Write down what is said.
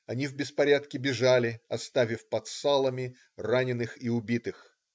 Они в беспорядке бежали, оставив под Салами раненых и убитых.